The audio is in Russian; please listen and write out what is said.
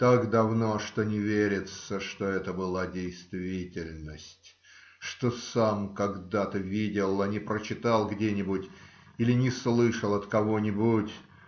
Так давно, что не верится, что это была действительность, что сам когда-то видел, а не прочитал где-нибудь или не слышал от кого-нибудь.